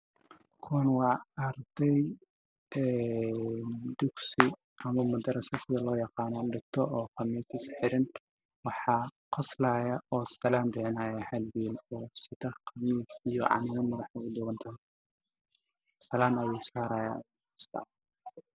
Waa meel dugsi ah waxaa ii muuqda wiilal wataan khamiisyo cadaan guduud cimaamado guddooda madaxa ugu xiran yihiin